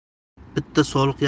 ular faqat bitta soliq